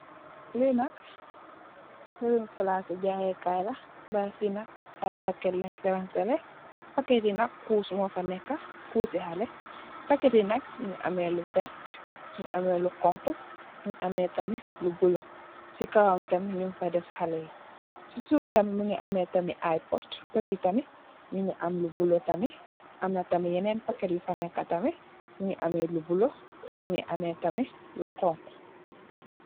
Lii nak, mbirum palaas i jaayé kaay la, baas yi nak, ay pakket lañ fi rangsalé, pakket yi nak, kurus moo fa neekë, kuusi xalé, pakket yi nak, mu ngi am lu werta, mu ngi amee lu xoñxu, mu ngi amee tamit lu bulo, si kowam tamit mu ñung fa def xalé. Si suuf tamit, mu ngi amee tamit ay pot, mu amee tamit bulu tamit, am tamit yeenen pakket yu fa nekkë tamit, mu ngi amee lu bulo, amee tamit lu xoñxu.